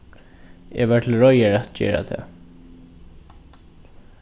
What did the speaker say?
eg var til reiðar at gera tað